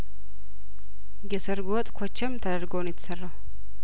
የሰርጉ ወጥ ኩችም ተደርጐ ነው የተሰራው